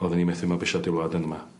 Odden ni methu mabwysiadu wlad yma.